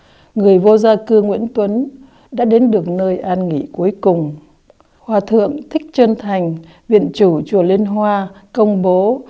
người vô gia cư nguyễn tuấn đã đến được nơi an nghỉ cuối cùng hòa thượng thích chơn thành viện chủ chùa liên hoa công bố